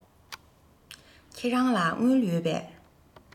ཁྱེད རང ལ དངུལ ཡོད པས